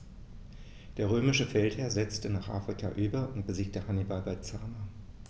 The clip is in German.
Der römische Feldherr setzte nach Afrika über und besiegte Hannibal bei Zama.